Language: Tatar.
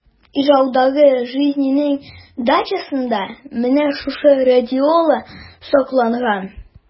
Ижаудагы җизнинең дачасында менә шушы радиола сакланган.